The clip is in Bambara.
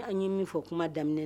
Ni an ye min fɔ kuma daminɛ